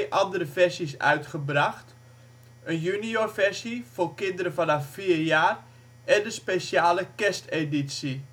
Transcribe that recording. andere versies uitgebracht: Een junior-versie voor kinderen vanaf 4 jaar Een speciale kerst-editie